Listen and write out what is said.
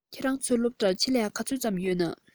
ཁྱོད རང ཚོའི སློབ གྲྭར ཆེད ལས ག ཚོད ཙམ ཡོད ན